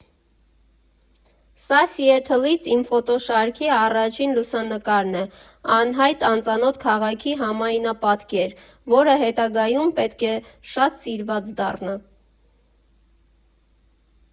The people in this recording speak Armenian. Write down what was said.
Սա Սիեթլից իմ ֆոտոշարքի առաջին լուսանկարն է՝ անհայտ, անծանոթ քաղաքի համայնապատկեր, որը հետագայում պետք է շատ սիրված դառնա։